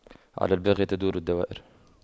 على الباغي تدور الدوائر